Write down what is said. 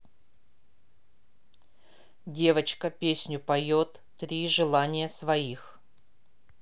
девочка песню поет три желания своих